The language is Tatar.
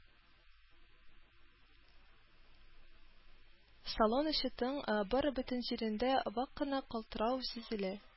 Салон эче тын, бары бөтен җирендә вак кына калтырау сизелә